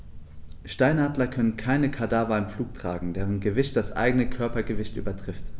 Steinadler können keine Kadaver im Flug tragen, deren Gewicht das eigene Körpergewicht übertrifft.